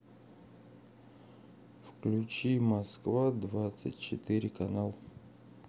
включи москва двадцать четыре канал